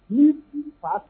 Ministre fa